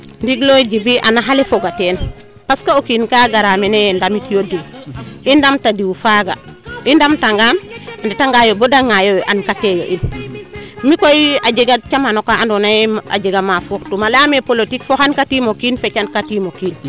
nding lo Djiby a naxa le foga teen parce que o kiin ka gara mene yee e ndamit yo diw i ndata diw faaga i ndamta ngaan i ndeta ngayo bada ngaayo yo an ka teeyo in mi koy a jega camano kaa ando naye a jega ma fuux tuuma leyaame politique ?;fra foxan ka tiimo kiin fecan ka tiimo kiin